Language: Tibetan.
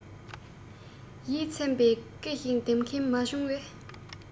ཡིད ཚིམ པའི ཀི ཞིག འདེབས མཁན མ བྱུང བས